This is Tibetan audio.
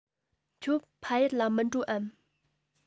ཁྱོད ཕ ཡུལ ལ མི འགྲོ འམ